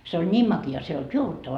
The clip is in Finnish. se oli niin makea se ei ollut juovuttavaa